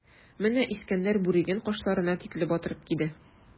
Менә Искәндәр бүреген кашларына тикле батырып киде.